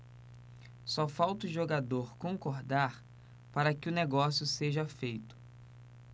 só falta o jogador concordar para que o negócio seja feito